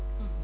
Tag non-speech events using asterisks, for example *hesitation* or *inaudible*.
*hesitation* *hesitation*